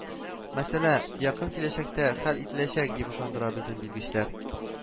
Мәсьәлә якын киләчәктә хәл ителәчәк, дип ышандыра безне белгечләр